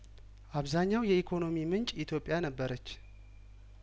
አብዛኛው የኢኮኖሚ ምንጭ ኢትዮጵያ ነበረች